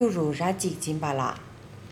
སྐྱུ རུ ར གཅིག བྱིན པ ལ